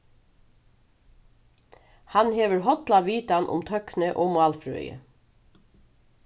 hann hevur holla vitan um tøkni og málfrøði